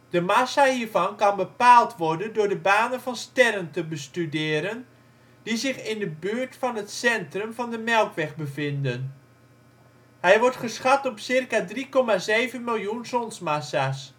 De massa hiervan kan bepaald worden door de banen van sterren te bestuderen die zich in de buurt van het centrum van de Melkweg bevinden. Hij wordt geschat op circa 3,7 miljoen zonsmassa 's